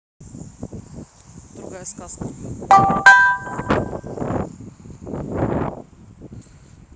другая сказка